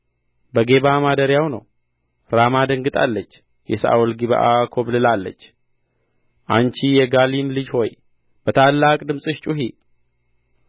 በጌባ ማደሪያው ነው ራማ ደንግጣለች የሳኦል ጊብዓ ኰብልላለች አንቺ የጋሊም ልጅ ሆይ በታላቅ ድምፅሽ ጩኺ